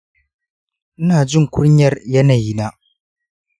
ina jin kunyar yanayi na.